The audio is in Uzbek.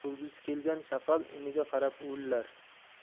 o'lgisi kelgan shaqal iniga qarab uvillar